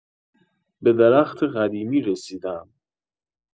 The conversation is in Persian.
به درخت قدیمی رسیدم.